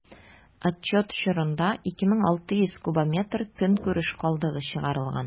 Отчет чорында 2600 кубометр көнкүреш калдыгы чыгарылган.